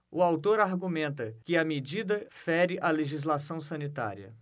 o autor argumenta que a medida fere a legislação sanitária